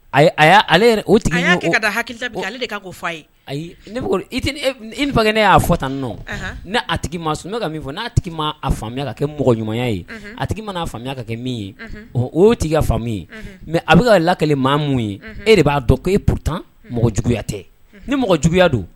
A a' ale o tigi ka da ha ale ko fa ayi ne i i fankɛ ne y'a fɔ tan n nɔn n a tigi ma sun ka min fɔ n'a tigi ma a faamuyaya ka kɛ mɔgɔ ɲumanya ye a tigi ma'a faamuyaya ka kɛ min ye o tigi ka fa ye mɛ a bɛka ka la kelen maa mun ye e de b'a dɔn ko e ptan mɔgɔ juguyaya tɛ ni mɔgɔ juguyaya don